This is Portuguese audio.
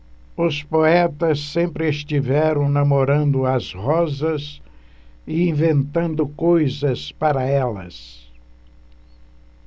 os poetas sempre estiveram namorando as rosas e inventando coisas para elas